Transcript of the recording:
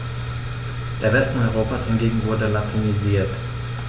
Der Westen Europas hingegen wurde latinisiert.